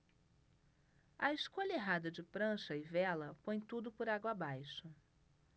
a escolha errada de prancha e vela põe tudo por água abaixo